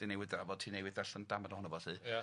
dwi newydd drafod ti newydd darllen damad ohono fo 'lly... Ia...